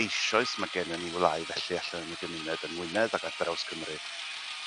Eisoes ma' gennon ni wlâu felly allan yn y gymuned yng Ngwynedd ag ar draws Cymru.